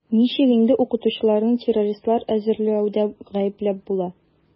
Ничек инде укытучыларны террористлар әзерләүдә гаепләп була?